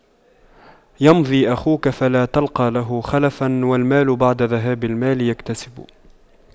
يمضي أخوك فلا تلقى له خلفا والمال بعد ذهاب المال يكتسب